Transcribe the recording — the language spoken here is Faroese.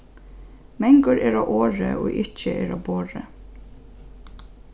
mangur er á orði ið ikki er á borði